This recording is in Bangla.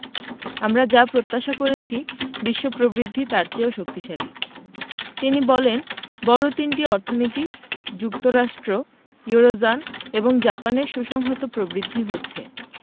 আমরা যা প্রত্যাশা করেছি বিশ্ব প্রবৃদ্ধি তার চেয়েও শক্তিশালী তিনি বলেন বড় তিনটি অর্থনীতি যুক্তরাষ্ট্র ইউরোজোন এবং জাপানের সুসংহত প্রবৃদ্ধি হচ্ছে